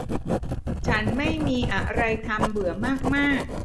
ฉันไม่มีอะไรทำเบื่อมากมาก